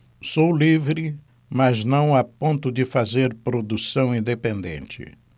sou livre mas não a ponto de fazer produção independente